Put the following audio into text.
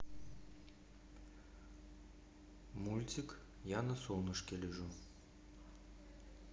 мультик я на солнышке лежу